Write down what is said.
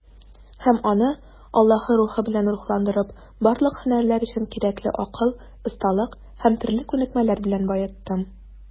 Һәм аны, Аллаһы Рухы белән рухландырып, барлык һөнәрләр өчен кирәкле акыл, осталык һәм төрле күнекмәләр белән баеттым.